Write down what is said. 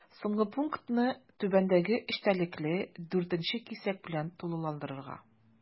Соңгы пунктны түбәндәге эчтәлекле 4 нче кисәк белән тулыландырырга.